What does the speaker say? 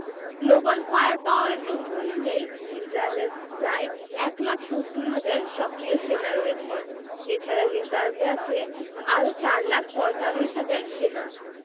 global Fire পাওয়ারের তথ্য অনুযায়ী ইসরায়েলের প্রায় ১ লাখ ৭০ হাজার সক্রিয় সেনা রয়েছে এ ছাড়া রিজার্ভে আছে আরও ৪ লাখ ৪৫ হাজার সেনা